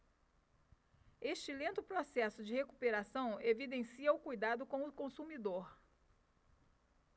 este lento processo de recuperação evidencia o cuidado com o consumidor